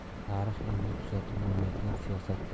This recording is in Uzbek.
tarix endi tuzatib bo'lmaydigan siyosatdir